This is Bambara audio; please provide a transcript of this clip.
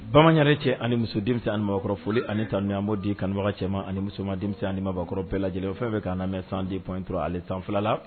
Bamananre cɛ ani muso denmisɛnnin ani mabɔkɔrɔoli ani tananiu anbu di kanbaga cɛmanma ani musoma denmisɛnnin anikɔrɔ bɛɛ la lajɛlen o fɛnfɛ kaana mɛn san dip dɔrɔn ale san fila la